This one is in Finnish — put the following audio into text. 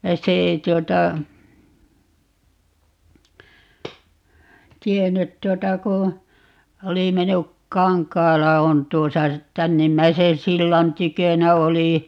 se ei tuota tiennyt tuota kun oli mennyt Kankaala on tuossa tännimmäisen sillan tykönä oli